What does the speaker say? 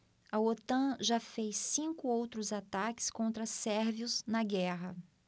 a otan já fez cinco outros ataques contra sérvios na guerra